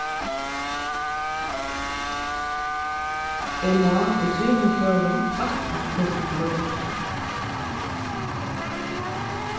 eg má í trimum førum bakka til eitt møtipláss